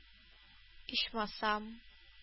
Ичмасам